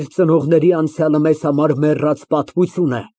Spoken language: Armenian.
Մեր ծնողների անցյալը մեզ համար մեռած պատմություն է։